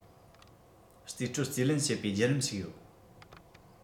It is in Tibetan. རྩིས སྤྲོད རྩིས ལེན བྱེད པའི བརྒྱུད རིམ ཞིག ཡོད